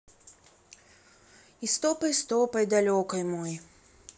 и стопой стопой далекой мой